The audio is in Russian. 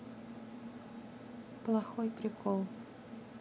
плохой прикол